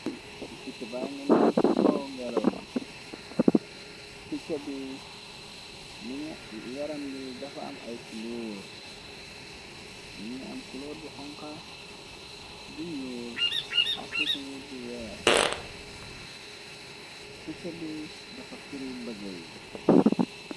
Picha ba ngina faw ngirala gi yaram bi dafa am ay kuloor. Ni ngi am kuloor bu xonxa bu ñuol ak kitimi bu weex picca bi daxa firi mbëge yi.